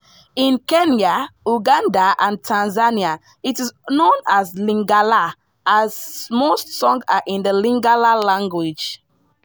In Kenya, Uganda, and Tanzania it is known as Lingala as most songs are in the Lingala language.